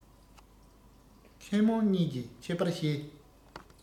མཁས རྨོངས གཉིས ཀྱི ཁྱད པར ཤེས